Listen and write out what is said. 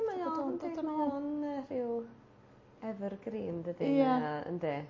Mae o yndy, mae o'n rhyw evergreen dydy, mae o yndi.